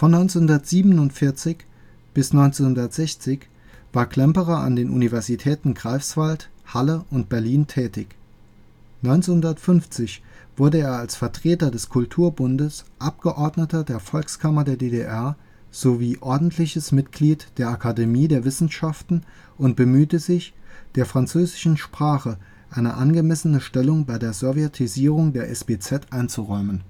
1947 bis 1960 war Klemperer an den Universitäten Greifswald, Halle und Berlin tätig. 1950 wurde er als Vertreter des Kulturbundes Abgeordneter der Volkskammer der DDR sowie ordentliches Mitglied der Akademie der Wissenschaften und bemühte sich, der französischen Sprache eine angemessene Stellung bei der Sowjetisierung der SBZ einzuräumen